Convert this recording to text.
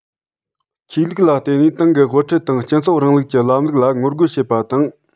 ཆོས ལུགས ལ བརྟེན ནས ཏང གི དབུ ཁྲིད དང སྤྱི ཚོགས རིང ལུགས ཀྱི ལམ ལུགས ལ ངོ རྒོལ བྱེད པ དང